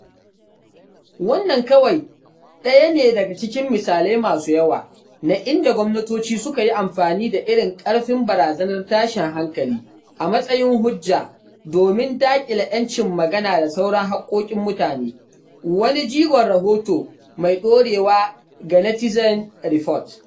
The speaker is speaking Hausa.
Wannan kawai ɗaya ne daga cikin misalai masu yawa na inda gwamnatoci suka yi amfani da irin ƙarfin barazanar tashin hankali, a matsayin hujja domin daƙile ‘yancin magana da sauran haƙƙoƙin mutane. Wani jigon rahoto mai ɗorewa ga Netizen Report .